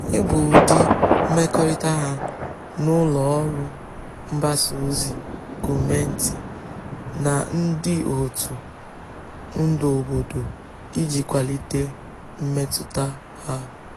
Gịnị bụ ụdị mmekọrịta ha na ụlọ ọrụ mgbasa ozi, gọọmentị, na ndị òtù ndu obodo iji kwalite mmetụta ha?